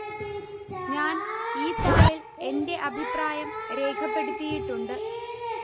ഞാന് ഈ താളില് എന്റെ അഭിപ്രായം രേഖപ്പെടുത്തിയിട്ടുണ്ട്